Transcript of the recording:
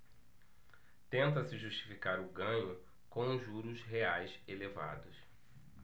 tenta-se justificar o ganho com os juros reais elevados